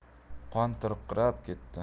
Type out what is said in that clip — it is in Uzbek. qon tirqirab ketdi